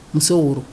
Musow woro